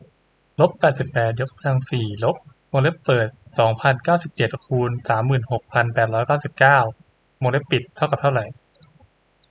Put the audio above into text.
ลบแปดสิบแปดยกกำลังสี่ลบวงเล็บเปิดสองพันเก้าสิบเจ็ดคูณสามหมื่นหกพันแปดร้อยเก้าสิบเก้าวงเล็บปิดเท่ากับเท่าไร